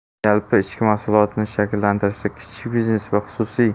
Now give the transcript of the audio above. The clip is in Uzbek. yalpi ichki mahsulotni shakllantirishda kichik biznes va xususiy